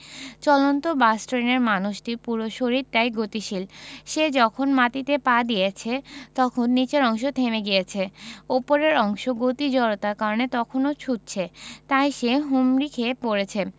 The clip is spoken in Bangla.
চলন্ত বাস ট্রেনের মানুষটির পুরো শরীরটাই গতিশীল সে যখন মাটিতে পা দিয়েছে তখন নিচের অংশ থেমে গিয়েছে ওপরের অংশ গতি জড়তার কারণে তখনো ছুটছে তাই সে হুমড়ি খেয়ে পড়ছে